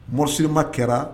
Morcellement kɛra